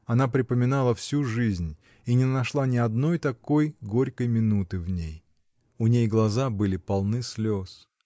Она припоминала всю жизнь и не нашла ни одной такой горькой минуты в ней. У ней глаза были полны слез.